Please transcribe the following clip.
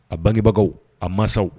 A bangebagaw a mansaw